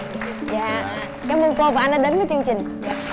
dạ cám ơn cô và anh đã đến với chương trình